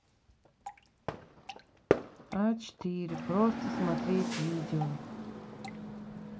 а четыре просто смотреть видео